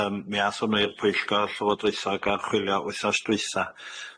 Yym mi ath hwnna i'r Pwyllgor Llywodraethog archwilio wythnos dwytha.